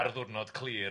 ar ddiwrnod clir.